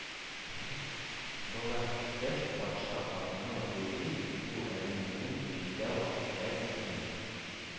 Болар киткәч, патша хатыны уйлый: «Бу әле минем эчемдә вакытта битемне